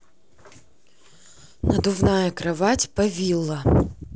надувная кровать повилло